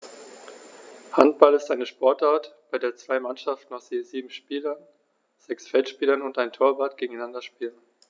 Handball ist eine Sportart, bei der zwei Mannschaften aus je sieben Spielern (sechs Feldspieler und ein Torwart) gegeneinander spielen.